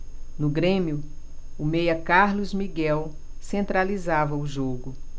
no grêmio o meia carlos miguel centralizava o jogo